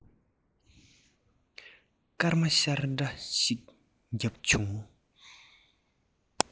སྐར མ ཤར འདྲ ཞིག བརྒྱབ བྱུང